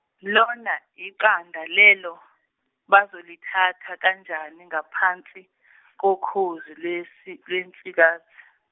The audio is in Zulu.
Lona iqanda lelo, bazolithatha kanjani ngaphansi , kokhozi Iwensi- Iwensikazi.